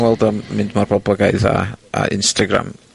weld o'n mynd mor boblogaidd â â Instagram.